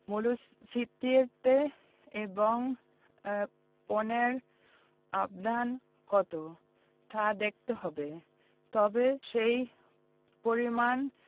মূল্যস্ফীতিতে এসব পণ্যের অবদান কত তা দেখতে হবে তবে সেই পরিমাণ